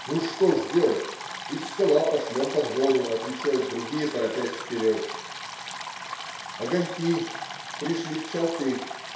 "Ну, что же делать, из села пошлем подводу",- отвечают другие, торопясь вперед. Огоньки - пришли в Чалтырь.